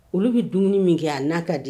Olu bɛ dumuni min kɛ a n'a ka dege